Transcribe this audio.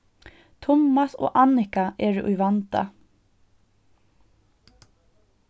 tummas og annika eru í vanda